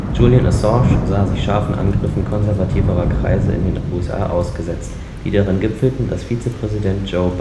Julian Assange sah sich scharfen Angriffen konservativer Kreise in den USA ausgesetzt, die darin gipfelten, dass Vizepräsident Joe